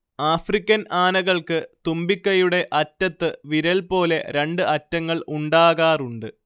African ആനകൾക്ക് തുമ്പിക്കൈയുടെ അറ്റത്ത് വിരൽ പോലെ രണ്ടറ്റങ്ങൾ ഉണ്ടാകാറുണ്ട്